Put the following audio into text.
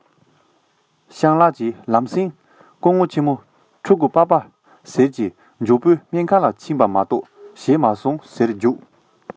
སྤྱང ལགས ཀྱིས ལམ སེང སྐུ ངོ ཆེན མོ ཕྲུ གུས པྰ ཕ ཟེར གྱིས མགྱོགས པོ སྨན ཁང ལ ཕྱིན ན མ གཏོགས བྱས མ སོང ཟེར རྒྱུགས ཏེ ཕྱིན